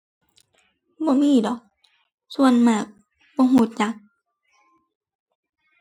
บ่มีดอก ส่วนมาก บ่รู้จัก